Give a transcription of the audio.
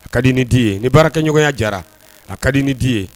A ka dii di ye ni baara kɛ ɲɔgɔnya jara a ka dii ni dii ye